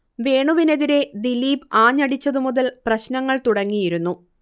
വേണുവിനെതിരെ ദിലീപ് ആഞ്ഞടിച്ചതു മുതൽ പ്രശ്നങ്ങൾ തുടങ്ങിയിരുന്നു